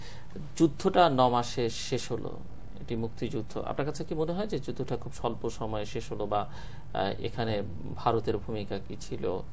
যুদ্ধটা ন মাসে শেষ হলো এটি মুক্তিযুদ্ধ আপনার কাছে কি মনে হয় যে যুদ্ধটা খুব স্বল্প সময়ে শেষ হলো বা এখানে ভারতের ভূমিকা কি ছিল